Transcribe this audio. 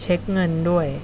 เช็คเงินด้วย